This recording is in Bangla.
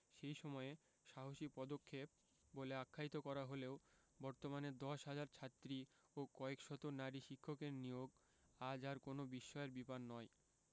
সেই সময়ে সাহসী পদক্ষেপ বলে আখ্যায়িত করা হলেও বর্তমানে ১০ হাজার ছাত্রী ও কয়েক শত নারী শিক্ষকের নিয়োগ আজ আর কোনো বিস্ময়ের ব্যাপার নয়